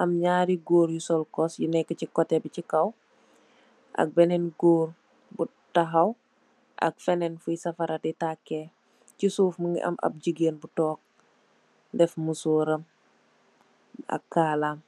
am nyarri goor yu cuss yu nekuh ci kotebi ci kaw. Ak benen goor bu takhaw ak fenen fu safari di taak keh. Ci suuf mungi am ap jigeen bu tokk def musor ram.